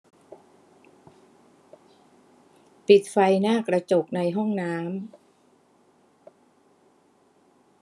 ปิดไฟหน้าจกในห้องน้ำ